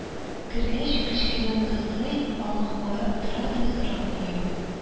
Кергәч, кечкенә кызый аңа карап тора да сорап куя: